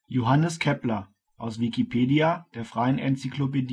Johannes Kepler, aus Wikipedia, der freien Enzyklopädie